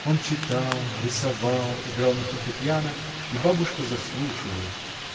Он читал, рисовал, играл на фортепиано, и бабушка заслушивалась